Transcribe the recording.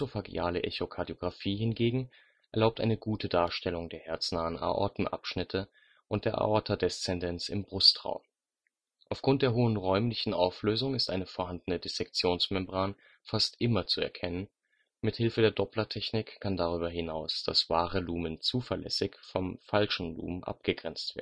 hingegen erlaubt eine gute Darstellung der herznahen Aortenabschnitte und der Aorta descendens im Brustraum. Aufgrund der hohen räumlichen Auflösung ist eine vorhandene Dissektionsmembran fast immer zu erkennen, mit Hilfe der Dopplertechnik kann darüber hinaus das wahre Lumen zuverlässig vom falschen Lumen abgegrenzt